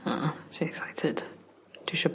A 's excited. Dwi isio...